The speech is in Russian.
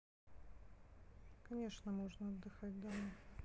конечно можно отдыхать домой